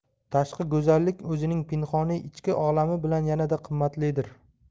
tashqi go'zallik o'zining pinhoniy ichki olami bilan yanada qimmatlidir